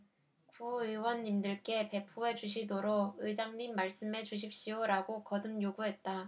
구의원님들께 배포해 주시도록 의장님 말씀해 주십시오라고 거듭 요구했다